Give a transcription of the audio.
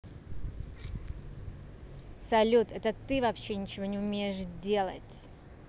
салют это ты вообще ничего не умеешь делать